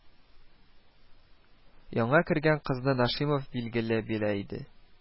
Яңа кергән кызны Нашимов, билгеле, белә иде